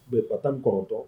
U pa tan ni kɔnɔntɔn